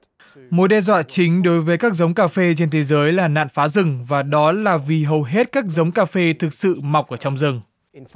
mối đe dọa chính đối với các giống cà phê trên thế giới là nạn phá rừng và đó là vì hầu hết các giống cà phê thực sự mọc ở trong rừng